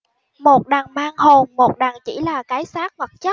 một đằng mang hồn một đằng chỉ là cái xác vật chất